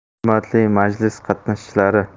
hurmatli majlis qatnashchilari